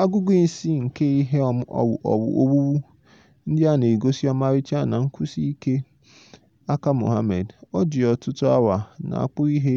Ọgụgụ isi nke ihe owuwu ndị a na-egosi ọmarịcha na nkwụsi ike nke aka Mohammed - o ji ọtụtụ awa na-akpụ ihe,